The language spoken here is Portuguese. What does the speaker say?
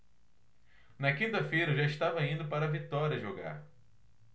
na quinta-feira eu já estava indo para vitória jogar